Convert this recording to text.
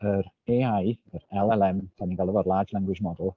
Yr AI yr LLM dan ni'n galw fo'r Large Language Model.